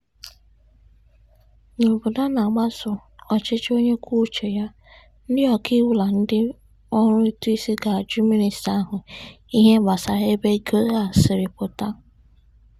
N'obodo a na-agbaso ọchịchị onye kwuo uche ya, ndị ọkàiwu na ndị ọrụ ụtụisi ga-ajụ minista ahụ ihe gbasara ebe ego a siri pụta. Link